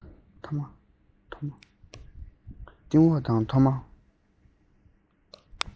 སྟེང འོག དང མཐོ དམའ